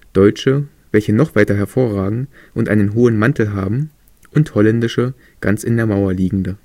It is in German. deutsche, welche noch weiter hervor ragen und einen hohen Mantel haben, und holländische, ganz in der Mauer liegende